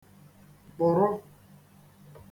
kpụ̀rụ